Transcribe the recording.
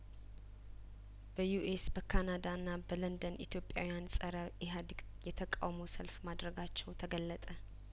በዩኤስ በካናዳና በለንደን ኢትዮጵያዊያን ጸረ ኢህአዲግ የተቃውሞ ሰልፍ ማድረጋቸው ተገለጠ